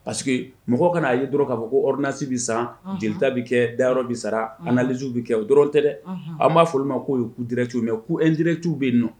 Parce que mɔgɔ ka' a ye dɔrɔn k'a fɔ ko rinasi bɛ san jeli bɛ kɛ dayɔrɔ bɛ sara anz bɛ kɛ o dɔrɔn tɛ dɛ an b'a fɔ ma k'o ye' diratu mɛ ko edrɛrɛ tuu bɛ yen nɔ